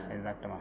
exactement